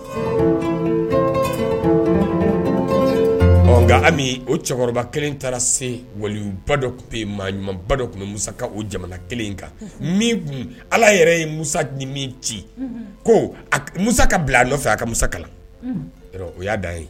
O cɛkɔrɔba kelen taara se waliba dɔ tun bɛ maa ɲumanba dɔ tun bɛ musa o jamana kelen kan min ala yɛrɛ ye musa ni min ci ko musa ka bila a nɔfɛ a ka musa o y'a da ye